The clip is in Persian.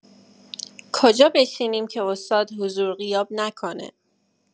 کجا بشینیم که استاد حضور غیاب نکنه؟